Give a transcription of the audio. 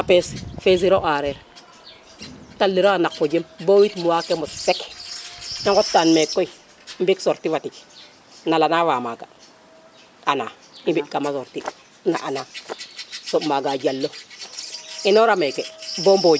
a pes fesiro areer taliro a naq fojem bo 8 mois ke mot seq i ngotan meke koy mbi ik sortie Fatick na ana fa maga Ana i mbi ka ma sortie na Ana soɓ maga a jalo ino ra meke ndeta mbojeeen